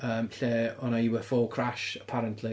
Yym lle oedd 'na UFO crash, apparently.